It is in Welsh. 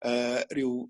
yy ryw